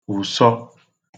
ùsọ